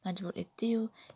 majbur etdi yu